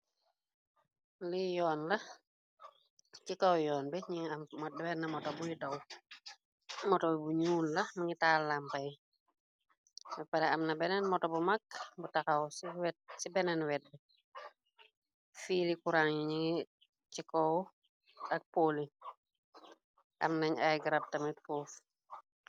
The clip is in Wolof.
Li yoona ci kaw yoon bi ñi m menn moto buy daw. Moto bi bu ñuul la mingi taallampay pale. Am na beneen moto bu mag bu taxaw ci beneen wetd fiili kuran yi. Nying ci kow ak poli am nañ ay grab tamit kuuf.